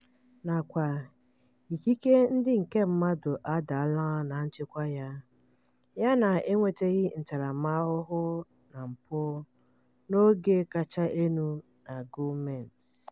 Na kwa, ikike ndị nke mmadụ adaala na nchịkwa ya, ya na enwetaghị ntaramahụhụ ma mpụ n'ogo kachasị elu na gọọmentị.